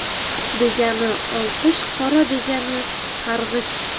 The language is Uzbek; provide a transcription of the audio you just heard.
oq degani olqish qora degani qaig'ish